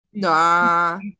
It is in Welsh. Na.